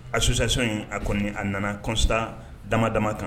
A susasi in a kɔni a nana kɔsa dama dama kan